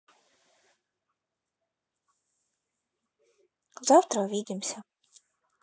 завтра увидимся